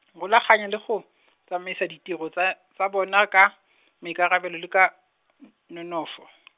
rulaganya le go, tsamaisa ditiro tsa, tsa bona ka, maikarabelo le ka n-, nonofo .